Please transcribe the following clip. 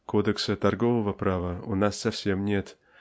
кодекса торгового права у нас совсем нет